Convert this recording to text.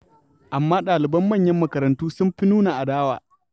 Amma ɗaliban manyan makarantu sun fi nuna adawa.